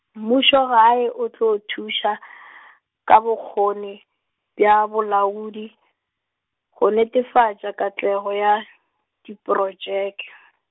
mmušogae o tlo thuša , ka bokgoni bja bolaodi, go netefatša katlego ya, diprotšeke.